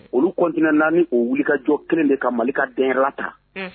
Olu kɔnt naani u wulikajɔ kelen de ka mali dla ta